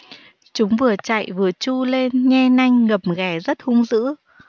chúng vừa chạy vừa tru lên nhe nanh gầm ghè rất hung dữ